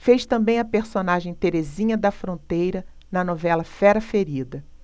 fez também a personagem terezinha da fronteira na novela fera ferida